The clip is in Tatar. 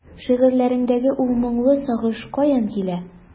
Шигырьләреңдәге ул моңлы сагыш каян килә?